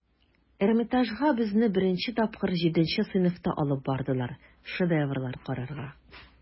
Эрмитажга безне беренче тапкыр җиденче сыйныфта алып бардылар, шедеврлар карарга.